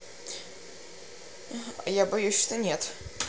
а я боюсь что нет